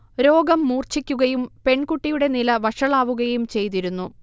രോഗം മൂർഛിക്കുകയും പെൺകുട്ടിയുടെ നില വഷളാവുകയും ചെയ്തിരുന്നു